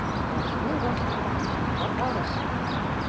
Башлы башлар — ватар өчен!